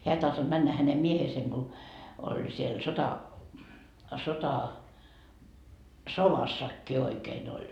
hän ei tahtonut mennä hänen miehensä kun oli siellä sota sodassakin oikein oli